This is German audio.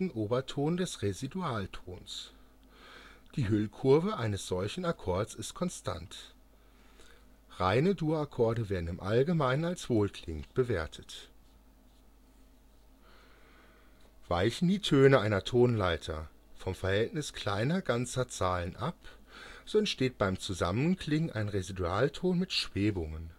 Oberton des Residualtons. Die Hüllkurve eines solchen Akkords ist konstant (blaue Kurve oben) Reine Dur-Akkorde werden im Allgemeinen als wohlklingend bewertet. Weichen die Töne einer Tonleiter vom Verhältnis kleiner ganzer Zahlen ab, so entsteht beim Zusammenklingen ein Residualton mit Schwebungen